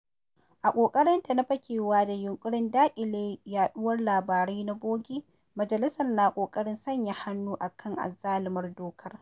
A ƙoƙarinta na fakewa da yunƙurin daƙile yaɗuwar labarai na bogi, Majalisar na ƙoƙarin sanya hannu a kan azalumar dokar.